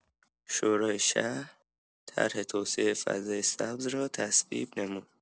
شورای شهر طرح توسعه فضای سبز را تصویب نمود.